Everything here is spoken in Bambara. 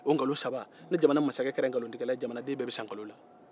ni jamana masakɛ kɛra nkalontigɛla ye jamanden bɛɛ bɛ sa nkalon na